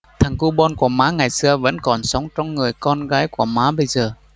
thằng ku bon của má ngày xưa vẫn còn sống trong người con gái của má bây giờ